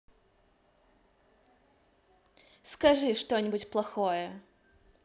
скажи что нибудь плохое